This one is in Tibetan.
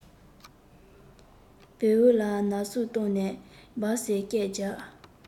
བེའུ ལ ན ཟུག བཏང ནས སྦད ཟེར སྐད རྒྱབ